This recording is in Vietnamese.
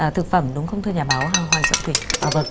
thực phẩm đúng không thưa nhà báo hoàng hoàng trọng thủy